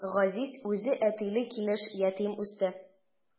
Газиз үзе әтиле килеш ятим үсте.